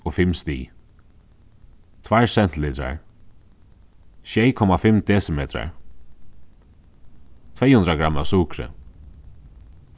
og fimm stig tveir sentilitrar sjey komma fimm desimetrar tvey hundrað gramm av sukri